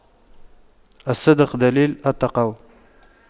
الصدق دليل التقوى